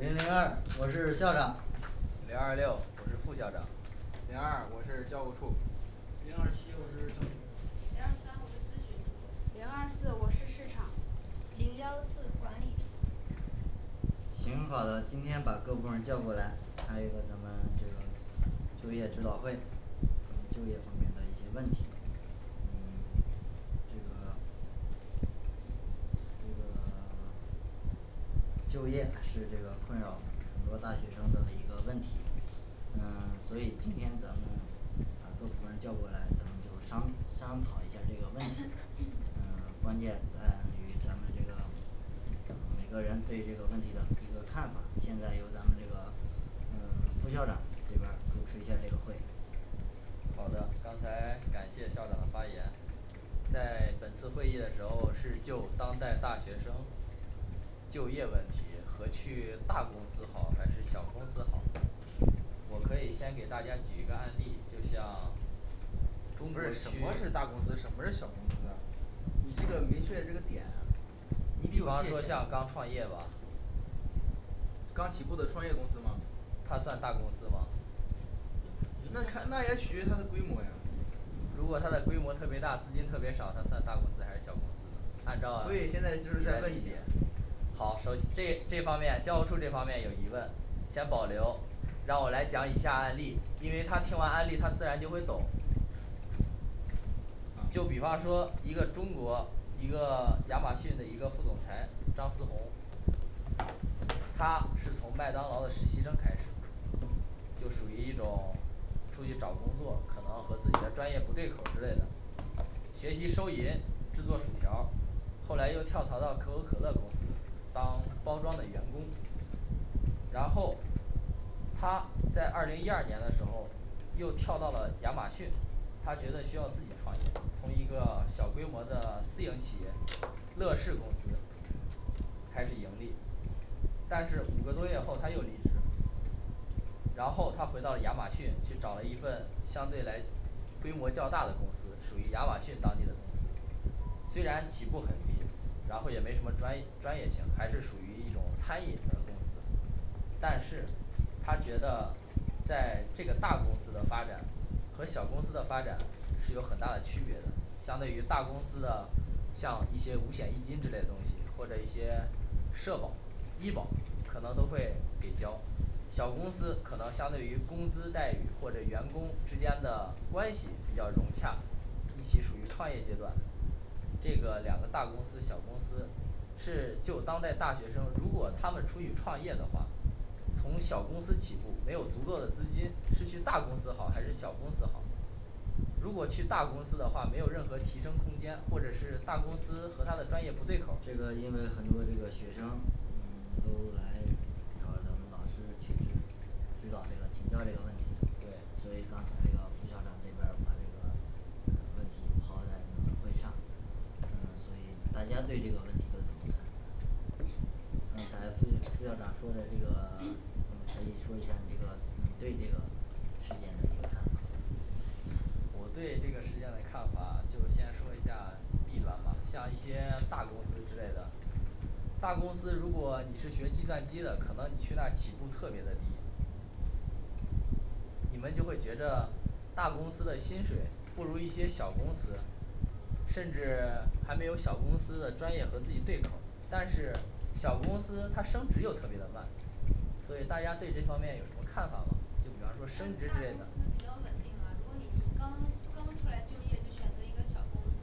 零零二，我是校长。零二六，我是副校长。零二七，我是教学零二三，我是咨询处。零二四，我是市场。行，好的，今天把各部门儿叫过来，开一个咱们这个就业指导会。嗯就业方面的一些问题。嗯 这个这个 就业是这个困扰很多大学生的一个问题，呃 所以，今天咱们把各部门儿叫过来，咱们就商，商讨一下儿这个问题，嗯关键在于咱们这个。嗯每个人对这个问题的这个看法，现在由咱们这个，嗯 副校长这边主持一下儿这个会。好的，刚才感谢校长的发言，在本次会议的时候，是就当代大学生就业问题和去大公司好还是小公司好，我可以先给大家先举一个案例，就像。中不国是区什么域是大公司什么是小公司啊？你这个明确的这个点你比方说，像刚创业吧刚起步的创业公司吗他算大公司吗？那看，那也取决它的规模呀。所以现在就是在问你。好收，这，这方面教务处这方面有疑问，先保留，让我来讲以下案列，因为他听完案例他自然就会懂。嗯就比方说，一个中国一个 亚马逊的一个副总裁张思宏。他是从麦当劳的实习生开始的，就属于一种出去找工作可能和自己的专业不对口儿之类的。学习收银，制作薯条儿，后来又跳槽到可口可乐公司当包装的员工。然后，他在二零一二年的时候，又跳到了亚马逊，他觉得需要自己创业，从一个小规模的私营企业乐视公司。开始盈利，但是五个多月后他又离职。然后，他回到亚马逊去找了一份相对来规模较大的公司，属于亚马逊当地的公司。但是他觉得在这个大公司的发展和小公司的发展是有很大的区别的，相对于大公司的像一些五险一金之类的东西，或者一些社保，医保。可能都会给交，小公司可能相对于工资待遇或者员工之间的关系比较融洽，一起属于创业阶段。这个两个大公司小公司，是就当代大学生，如果他们出去创业的话，从小公司起步没有足够的资金是去大公司好还是小公司好。如果去大公司的话，没有任何提升空间，或者是大公司和他的专业不对口儿这个因为很多这个学生嗯 都来找咱们老师去指指导这个请教这个问题，对刚才副副校长说的这个你可以说一下这个，你对这个事件的一个看法。我对这个事件的看法就先说一下弊端吧，像一些大公司之类的。大公司如果你是学计算机的，可能你去那儿起步特别的低。你们就会觉着大公司的薪水不如一些小公司。甚至还没有小公司的专业和自己对口儿，但是小公司它升职又特别的慢。因为大公司比较稳定嘛，如果你刚刚出来就业，你选择一个小公司，